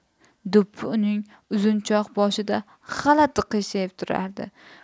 do'ppi uning uzunchoq boshida g'alati qiyshayib turardi